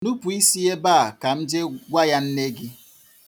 Nupu isi ebe a, ka m je gwa ya nne gị.